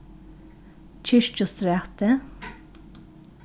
kirkjustræti